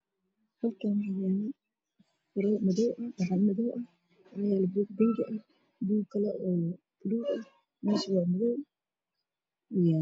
Meeshaan waxaa yaalo labo buug midabkooda waa guduud iyo cagaar midka guduudka ah waxaa ku qoran maadada barbaarinta iyo cilmiga